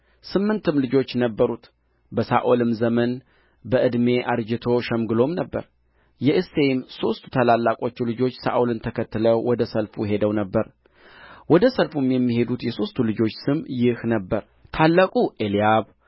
ስምንትም ልጆች ነበሩት በሳኦልም ዘመን በዕድሜ አርጅቶ ሸምግሎም ነበር የእሴይም ሦስቱ ታላላቆች ልጆቹ ሳኦልን ተከትለው ወደ ሰልፉ ሄደው ነበር ወደ ሰልፉም የሄዱት የሦስቱ ልጆቹ ስም ይህ ነበረ ታላቁ ኤልያብ